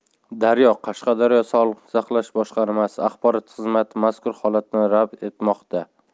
daryo qashqadaryo sog'liqni saqlash boshqarmasi axborot xizmati mazkur holatni rad etmoqda